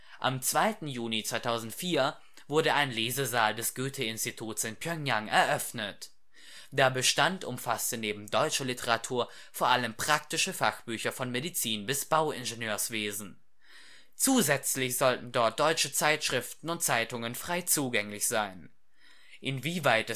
Am 2. Juni 2004 wurde ein Lesesaal des Goethe-Instituts in Pjöngjang eröffnet. Der Bestand umfasste neben deutscher Literatur vor allem praktische Fachbücher von Medizin bis Bauingenieurwesen. Zusätzlich sollten dort deutsche Zeitschriften und Zeitungen frei zugänglich sein. Inwieweit